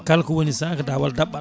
kala ko woi 100 ko dawal dabɓal